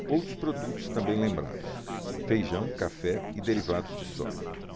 outros produtos também lembrados feijão café e derivados de soja